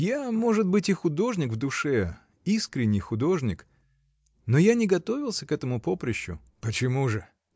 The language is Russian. Я, может быть, и художник в душе, искренний художник, — но я не готовился к этому поприщу. — Почему же?